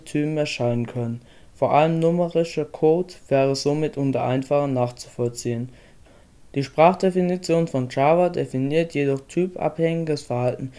Typen erscheinen können – vor allem numerischer Code wäre so mitunter einfacher nachzuvollziehen. Die Sprachdefinition von Java definiert jedoch typabhängiges Verhalten